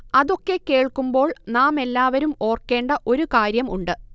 അതൊക്കെ കേൾക്കുമ്പോൾ നാമെല്ലാവരും ഓർക്കേണ്ട ഒരു കാര്യം ഉണ്ട്